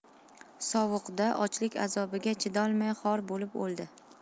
sovuqda ochlik azobiga chidolmay xor bo'lib o'ldi